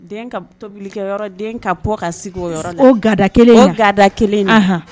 Den ka tobilikɛyɔrɔ den ka bɔ ka sigi o yɔrɔ la o gada kelen o gada kelen na, ɔnhɔn